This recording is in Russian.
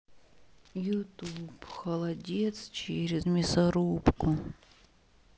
ютуб холодец через мясорубку